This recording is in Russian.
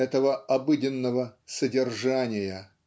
этого обыденного "содержания"